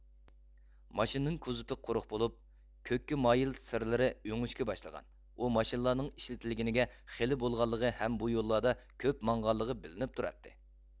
ماشىنىنىڭ كوزۇپى قۇرۇق بولۇپ كۆككە مايىل سىرلىرى ئۆڭۈشكە باشلىغان ئۇ ماشىنىلارنىڭ ئىشلىتىلگىنىگە خېلى بولغانلىقى ھەم بۇ يوللاردا كۆپ ماڭغانلىقى بىلىنىپ تۇراتتى